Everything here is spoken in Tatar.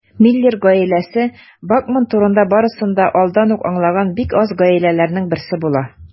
Миллер гаиләсе Бакман турында барысын да алдан ук аңлаган бик аз гаиләләрнең берсе була.